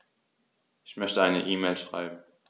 Ich möchte eine E-Mail schreiben.